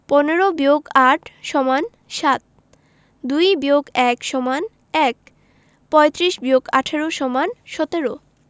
১৫ – ৮ = ৭ ২ - ১ =১ ৩৫ – ১৮ = ১৭